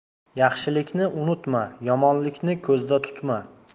yaxshilikni unutma yomonlikni ko'zda tutma